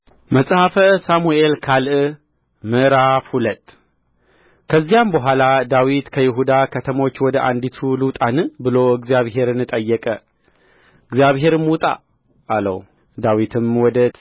መጽሐፈ ሳሙኤል ካል ምዕራፍ ሁለት ከዚያም በኋላ ዳዊት ከይሁዳ ከተሞች ወደ አንዲቱ ልውጣን ብሎ እግዚአብሔርን ጠየቀ እግዚአብሔርም ውጣ አለው ዳዊትም ወዴት